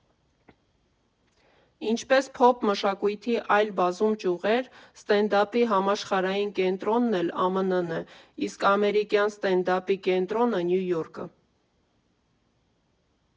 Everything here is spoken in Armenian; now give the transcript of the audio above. Ինչպես փոփ մշակույթի այլ բազում ճյուղեր, ստենդափի համաշխարհային կենտրոնն էլ ԱՄՆ֊ն է, իսկ ամերիկյան ստենդափի կենտրոնը՝ Նյու Յորքը։